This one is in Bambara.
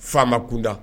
Faama kunda